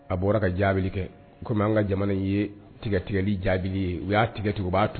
A bɔra ka jaabi kɛ kɔmi an ka jamana in ye tigɛtigɛli jaabi ye o y'a tigɛcogo b'a tugun